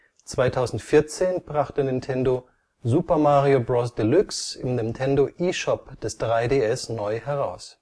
2014 brachte Nintendo Super Mario Bros. Deluxe im Nintendo eShop des 3DS neu heraus